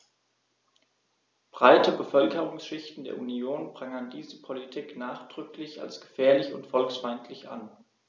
Breite Bevölkerungsschichten der Union prangern diese Politik nachdrücklich als gefährlich und volksfeindlich an.